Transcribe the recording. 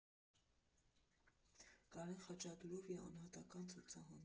Կարեն Խաչատուրովի անհատական ցուցահանդես։